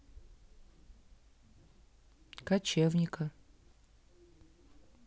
кочевника